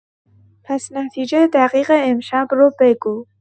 پس نتیجه دقیق امشب رو بگو.